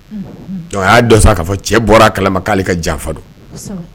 Y'a dɔ k ka fɔ cɛ bɔra kala ka janfa don